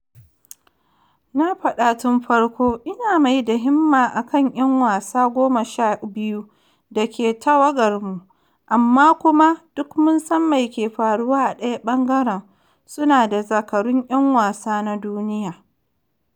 Na fada tun farko, ina mai da himma akan ‘yan wasa 12 dake tawagarmu, amma kuma duk mun san mai ke faruwa a dayan ɓangaren - su na da zakarun yan wasa na duniya.”